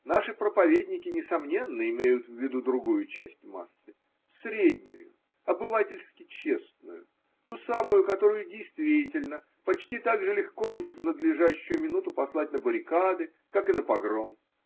Наши проповедники, несомненно, имеют в виду другую часть массы – среднюю, обывательски-честную, ту самую, которую действительно почти так же легко будет в надлежащую минуту послать на баррикады, как и на погром.